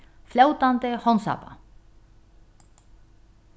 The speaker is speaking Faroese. flótandi hondsápa